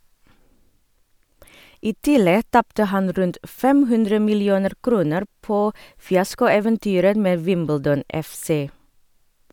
I tillegg tapte han rundt 500 millioner kroner på fiaskoeventyret med Wimbledon FC.